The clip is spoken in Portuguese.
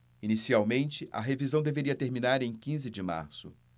inicialmente a revisão deveria terminar em quinze de março